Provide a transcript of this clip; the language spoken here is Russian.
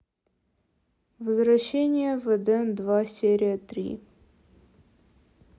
возвращение в эдем два серия три